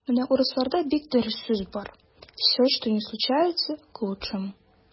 Менә урысларда бик дөрес сүз бар: "все, что ни случается - к лучшему".